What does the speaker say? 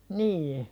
niin